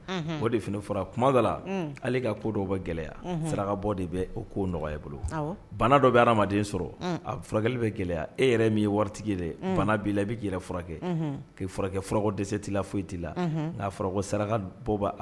Bɛ gɛlɛya bɛ nɔgɔya bolodɔ bɛ adama sɔrɔ furakɛli bɛ gɛlɛya e yɛrɛ min ye waritigi yɛrɛ bana b'i la i bɛ furakɛ k' furakɛ furakɛkɔ dɛsɛse' la foyi t' la n'a saraka bɔ